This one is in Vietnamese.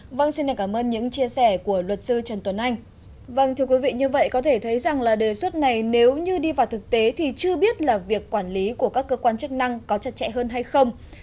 vâng xin cảm ơn những chia sẻ của luật sư trần tuấn anh vâng thưa quý vị như vậy có thể thấy rằng là đề xuất này nếu như đi vào thực tế thì chưa biết là việc quản lý của các cơ quan chức năng có chặt chẽ hơn hay không